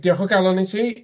###diolch o galon i ti.